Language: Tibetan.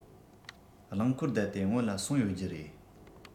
རླངས འཁོར བསྡད དེ སྔོན ལ སོང ཡོད རྒྱུ རེད